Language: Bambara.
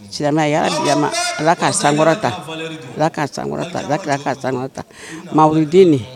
Silamɛya bilama Ala k'a sankɔrɔta, Ala k'a sankɔrɔta Alakira k'a sankɔrɔta mawuludi nin